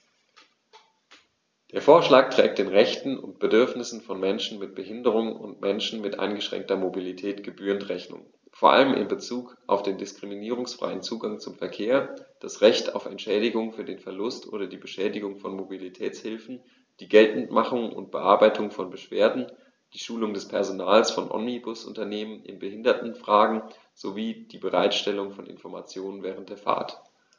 Der Vorschlag trägt den Rechten und Bedürfnissen von Menschen mit Behinderung und Menschen mit eingeschränkter Mobilität gebührend Rechnung, vor allem in Bezug auf den diskriminierungsfreien Zugang zum Verkehr, das Recht auf Entschädigung für den Verlust oder die Beschädigung von Mobilitätshilfen, die Geltendmachung und Bearbeitung von Beschwerden, die Schulung des Personals von Omnibusunternehmen in Behindertenfragen sowie die Bereitstellung von Informationen während der Fahrt.